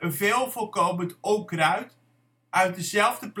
veel voorkomend onkruid uit dezelfde